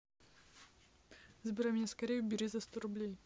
забирай меня скорей убери за сто рублей